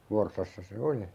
Forssassa se oli